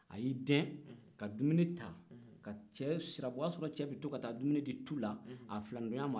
a y'i dɛn ka dumuni ta ka cɛ sirabɔ o y'a sɔrɔ cɛ bɛ to ka taa dumuni di tula a filanintɔɲɔngɔn ma